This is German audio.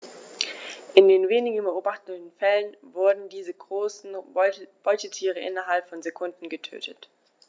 In den wenigen beobachteten Fällen wurden diese großen Beutetiere innerhalb von Sekunden getötet.